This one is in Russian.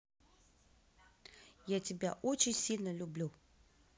я тебя очень сильно люблю